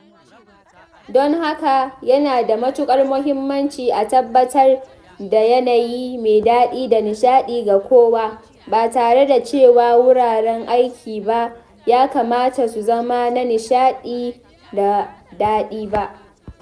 Don haka, yana da matuƙar mahimmanci a tabbatar da yanayi mai daɗi da nishadi ga kowa (ba tare da cewa wuraren aiki ba ya kamata su zama na nishaɗi da daɗi ba).